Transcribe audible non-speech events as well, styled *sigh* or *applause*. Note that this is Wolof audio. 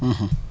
*hesitation* *hesitation*